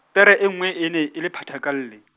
pere e nngwe, e ne e le phathakalle.